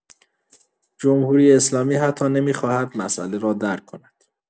جمهوری‌اسلامی حتی نمی‌خواهد مساله را درک کند.